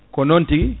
ko noon tigui